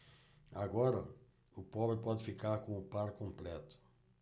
agora o pobre pode ficar com o par completo